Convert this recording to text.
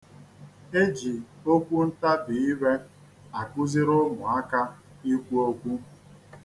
E ji okwuntabire akuziri ụmụaka ikwu okwu.